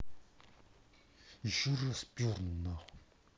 еще раз перну нахуй